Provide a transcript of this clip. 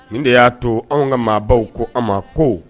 Nin de y'a to anw ka maabaw ko an maa koo